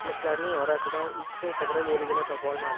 qamishlarning orasidan uch kun qidirib o'ligini topolmadim